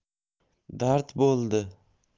dard bo'ldi